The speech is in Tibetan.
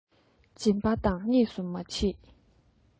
སྦྱིན པ དང གཉིས སུ མ མཆིས